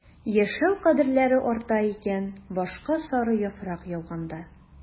Яшәү кадерләре арта икән башка сары яфрак яуганда...